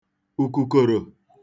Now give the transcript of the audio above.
ùkùkòrò